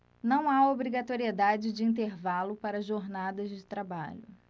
não há obrigatoriedade de intervalo para jornadas de trabalho